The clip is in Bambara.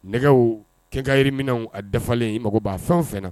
Nɛgɛw kɛnkɛyiri minɛnw a dafalen, i mago b'a fɛn o fɛn na